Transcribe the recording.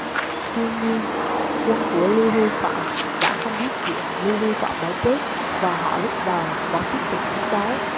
tuy nhiên quân của lưu hưu phạm đã không biết chuyện lưu hưu phạm đã chết và họ lúc đầu vẫn tiếp tục chiến đấu